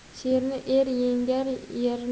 sherni er yengar